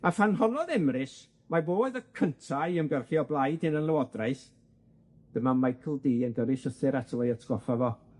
A phan honnodd Emrys mai fo oedd y cynta i ymgyrchu o blaid hunanlywodraeth, dyma Michael Dee yn gyrru llythyr ato fo i atgoffa fo.